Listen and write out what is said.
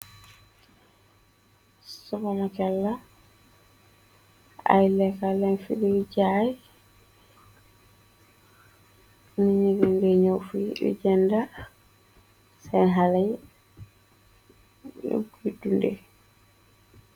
Sobonokela, ay lekka len firiri jaay, ni nëgunge ño fu yu jenda seen xale, y yugu dunde.